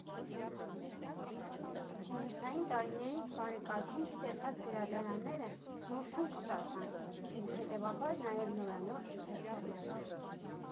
Խորհրդային տարիներից բարեկարգում չտեսած գրադարանները նոր շունչ ստացան, ու, հետևաբար, նաև նորանոր ընթերցողներ։